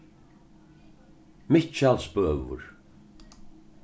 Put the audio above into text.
mikkjalsbøur